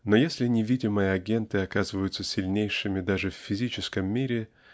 но если невидимые агенты оказываются сильнейшими даже в физическом мире